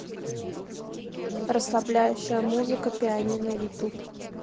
расслабляющая музыка пианино ютуб